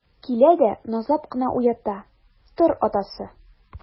Килә дә назлап кына уята: - Тор, атасы!